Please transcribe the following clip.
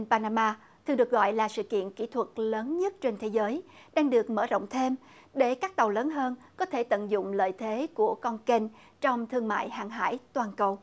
pa na ma thường được gọi là sự kiện kỹ thuật lớn nhất trên thế giới đang được mở rộng thêm để các tàu lớn hơn có thể tận dụng lợi thế của cồng kênh trong thương mại hàng hải toàn cầu